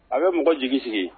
A bɛ mɔgɔ jigi sigi